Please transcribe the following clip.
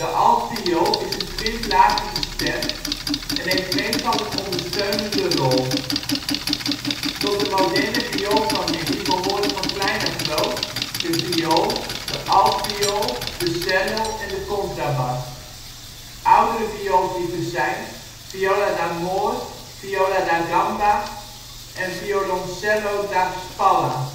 altviool is een kwint lager gestemd en heeft meestal een ondersteunende rol. Tot de moderne vioolfamilie behoren van (klein naar groot): viool altviool cello contrabas Oudere viooltypes zijn: viola d'amore viola da gamba violoncello da Spalla